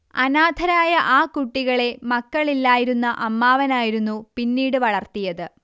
അനാഥരായ ആ കുട്ടികളെ മക്കളില്ലായിരുന്ന അമ്മാവനായിരുന്നു പിന്നീട് വളർത്തിയത്